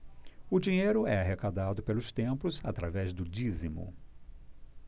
o dinheiro é arrecadado pelos templos através do dízimo